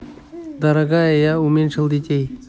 дорогая я уменьшил детей